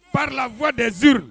Balafɔ de zuru